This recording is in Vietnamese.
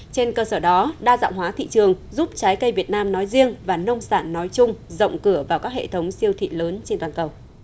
trên cơ sở đó đa dạng hóa thị trường giúp trái cây việt nam nói riêng và nông sản nói chung rộng cửa vào các hệ thống siêu thị lớn trên toàn cầu